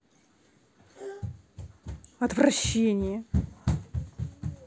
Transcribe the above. отвращение